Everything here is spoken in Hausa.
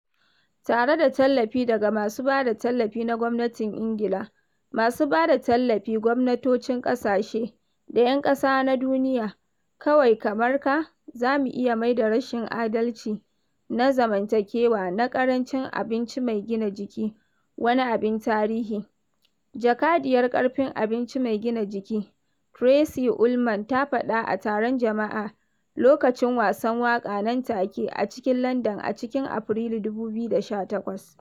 Tare da tallafi daga masu ba da tallafi na gwamnatin Ingila, masu ba da tallafi, gwamnatocin ƙasashe, da 'Yan Ƙasa na Duniya kawai kamar ka, za mu iya maida rashin adalci na zamantakewa na ƙarancin abinci mai gina jiki wani abin tarihi, jakadiyar Ƙarfin Abinci Mai Gina Jiki Tracey Ullman ta faɗa a taron jama'a a lokacin wasan waƙa nan take a cikin Landan a cikin Afirilu 2018.